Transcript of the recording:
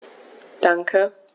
Danke.